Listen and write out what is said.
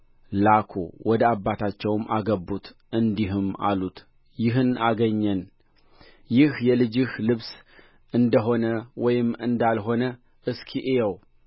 ላኩ ወደ አባታቸውም አገቡት እንዲህም አሉት ይህንን አገኘነ ይህ የልጅህ ልብስ እንደ ሆነ ወይም እንዳልሆነ እስኪ እየው